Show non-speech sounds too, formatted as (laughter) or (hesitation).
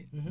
(hesitation) (hesitation)